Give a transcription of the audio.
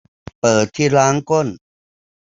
เปิดที่ล้างก้น